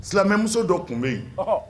Silamɛmuso dɔ tun bɛ yen, Ɔhɔɔ.